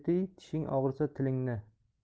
tiy tishing og'risa tilingni